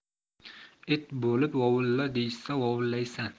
it bulib vovulla deyishsa vovullaysan